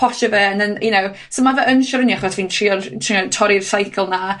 Postio fe and then you know. So ma' fe yn siwrne fi achos fi'n trio'r trio you know torri'r cycle 'na.